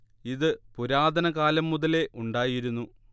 ഇത് പുരാതന കാലം മുതലേ ഉണ്ടായിരുന്നു